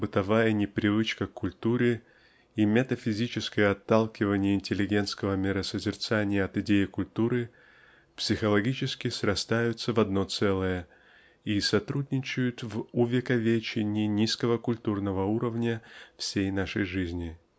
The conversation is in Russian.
бытовая непривычка к культуре и метафизическое отталкивание интеллигентского миросозерцания от идеи культуры психологически срастаются ц одно целое и сотрудничают в увековечении низкого культурного уровня всей нашей жизни .